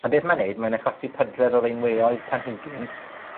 On' beth mae'n neud, mae'n achosi pydredd o feinweoedd planhigyn,